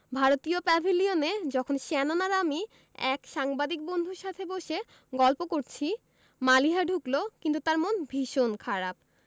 ভারতীয় প্যাভিলিয়নে যখন শ্যানন আর আমি এক সাংবাদিক বন্ধুর সাথে বসে গল্প করছি মালিহা ঢুকলো কিন্তু তার মন ভীষণ খারাপ